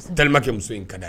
Dalenkɛ muso in ka di ye